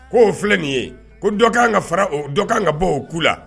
Ko oo filɛ nin ye ko dɔkan kan ka fara o dɔkan kan ka bɔ o ku la